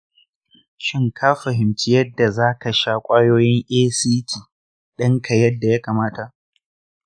shin ka fahimci yadda zaka sha kwayoyin act dinka yadda ya kamata?